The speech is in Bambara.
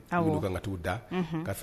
Wolo kan ka taa'u da ka fɛ